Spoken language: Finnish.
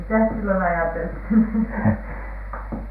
mitäs silloin ajateltiin